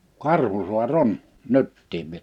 Karhusaari on nytkin vielä